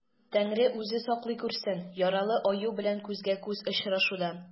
Тәңре үзе саклый күрсен яралы аю белән күзгә-күз очрашудан.